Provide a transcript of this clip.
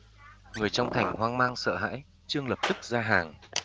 người trong thành hoang mang sợ hãi chương lập tức ra hàng